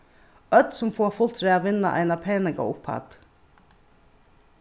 øll sum fáa fult rað vinna eina peningaupphædd